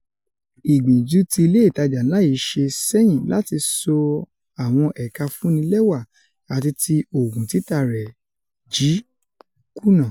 Ìgbìyànjú ti ilé ìtajà ńlá yíì ṣe sẹyìn láti ṣọ àwọn ẹ̀ka afúnnilẹ́wà ati ti òògùn títà rẹ̀ jí kùnà.